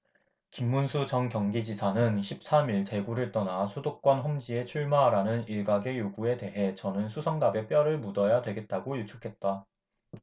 김문수 전 경기지사는 십 삼 일 대구를 떠나 수도권 험지에 출마하라는 일각의 요구에 대해 저는 수성갑에 뼈를 묻어야 되겠다고 일축했다